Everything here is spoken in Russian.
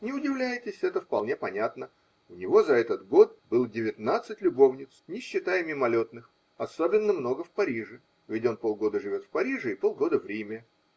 не удивляйтесь, это вполне понятно -- у него за этот год было девятнадцать любовниц, не считая мимолетных, особенно много в Париже -- ведь он полгода живет в Париже и полгода в Риме